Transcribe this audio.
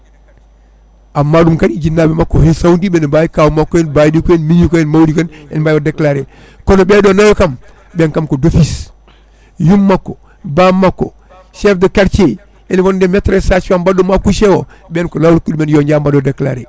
amma ɗum kadi jinnaɓe makko hen sawdiɓe ne mbawi kaw makko en mbaɗiko en miñiko en mawniko en ene ùvawi wadde déclaré kono ɓeeɗo nayyo kam ɓen kamko d' office yummako bammakko chef de quartier ene wonde maitresse sage femme mbaɗɗomo accouché o ɓen ko laawol hokki ɗumen yo jaa mbaɗoya déclaré